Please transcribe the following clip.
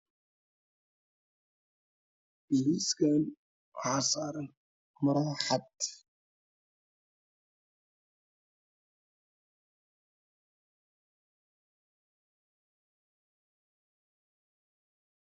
Miiskaan waxaa saaran marowaxad midabkeedu ka koobanyahay oranje iyo cadaan.